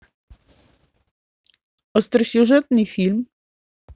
остросюжетный фильм